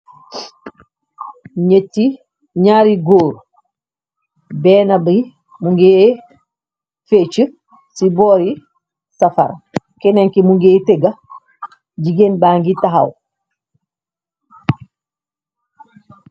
Ñët ti, ñaari góor. Benn bi mu ngé fetchi ci boori safara, kenen ki mu ngéy tegga. Jigéen ba ngi tahaw.